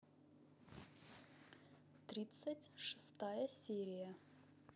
тридцать шестая серия